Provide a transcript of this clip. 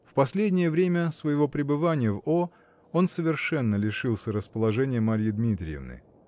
В последнее время своего пребывания в О. он совершенно лишился расположения Марьи Дмитриевны